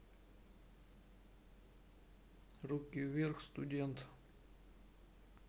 руки вверх студент